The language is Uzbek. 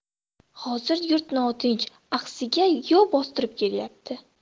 hozir yurt notinch axsiga yov bostirib kelyapti